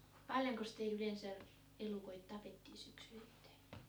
paljonkos teillä yleensä elukoita tapettiin syksysittäin